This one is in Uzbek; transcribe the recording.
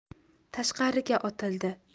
tashqariga otildi